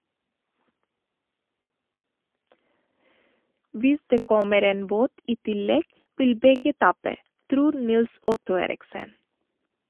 - Hvis det kommer en båt i tillegg, vil begge tape, tror Nils-Otto Eriksen.